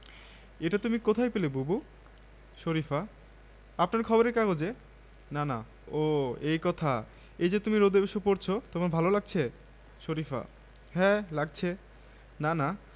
আগে আমি যাই তো খোকন বাদশার সঙ্গে বাইরের ঘরে শোয় খোকন রাতে বলে আমাকে একটা প্লেন কিনে দিবে চাচা খুব বড় দেখে প্লেন প্লেন একটা প্লেন কিনতে কত টাকা লাগে জানিস কোটি কোটি টাকা